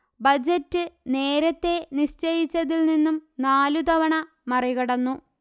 budget നേരത്തേ നിശ്ചയിച്ചതിൽ നിന്നും നാലുതവണ മറികടന്നു